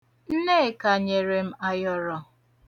Nneka nyere m ayọrọ.